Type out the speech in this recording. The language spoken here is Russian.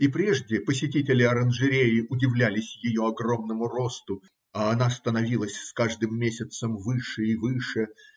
И прежде посетители оранжереи удивлялись ее огромному росту, а она становилась с каждым месяцем выше и выше.